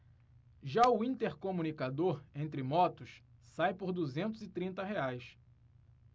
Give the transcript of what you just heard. já o intercomunicador entre motos sai por duzentos e trinta reais